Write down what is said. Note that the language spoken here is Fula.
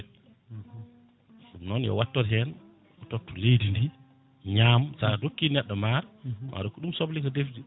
ɗum noon yo wattor hen o totta leydi ndi ñaam sa rokki neɗɗo maaro ma rokko ɗum soble ko defdi